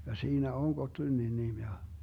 ja siinä on Gottlundin nimi ja